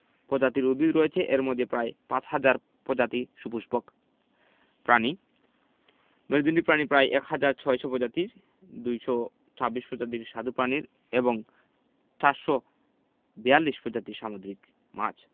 প্রজাতির উদ্ভিদ রয়েছে এর মধ্যে প্রায় ৫ হাজার প্রজাতি সপুষ্পক প্রাণীঃ মেরুদন্ডী প্রাণী প্রায় ১হাজার ৬০০ প্রজাতির ২২৬ প্রজাতির স্বাদু পানির এবং ৪৪২ প্রজাতির সামুদ্রিক মাছ